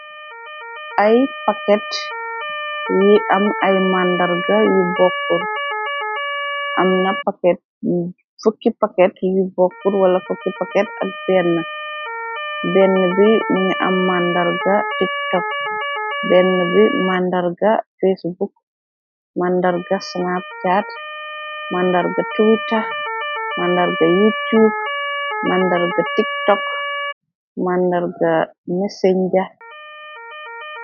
Ay paket, yi am ay màndarga yu bokkur, amna fukki paket yu bokkur, wala fukki paket ak benn, benn bi mngi am màndarga tiktock, benn bi màndarga facebook, màndarga snab caat, màndarga tuita, màndarga yi cuub, màndarga tiktokk, màndarga nesenja.